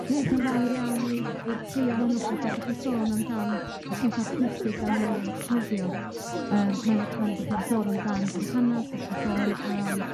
Diolch yn fawr iawn i i'r trio ohonoch chi. 'Dach chi 'di sôn amdan y petha pwysig 'dan ni angen cofio yym ma' ma'n 'dach chi 'di sôn amdan yr hanas, 'dach chi di sôn am